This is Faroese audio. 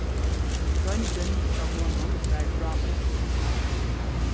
royndin hjá honum var frálík